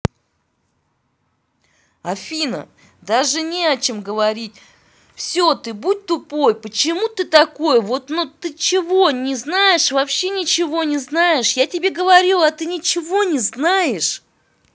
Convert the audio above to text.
афина даже не о чем говорить все ты будь тупой почему ты такой вот но ты ничего не знаешь вообще ничего не знаешь я тебе говорю а ты ничего не знаешь